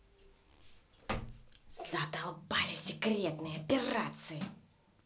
задолбали секретные операции